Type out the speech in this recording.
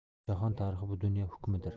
jahon tarixi bu dunyo hukmidir